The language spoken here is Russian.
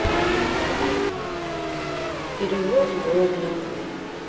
перевод гоблина